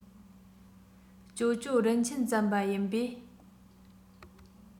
ཇོ ཇོ རིན ཆེན རྩམ པ ཡིན པས